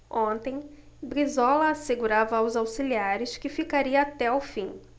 ontem brizola assegurava aos auxiliares que ficaria até o fim